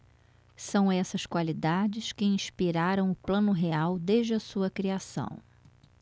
são essas qualidades que inspiraram o plano real desde a sua criação